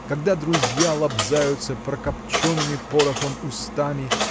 когда друзья лобзаются прокопченными порохом устами